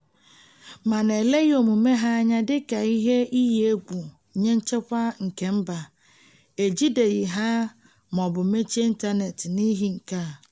Mana e leghị omume ha anya dị ka ihe iyi egwu nye nchekwa kemba; ejideghị ha ma ọ bụ mechie ịntaneetị n'ihi nke a.